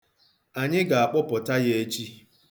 Anyị ga-akpụpụta ya echi.